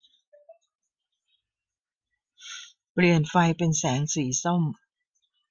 เปลี่ยนไฟเป็นแสงสีส้ม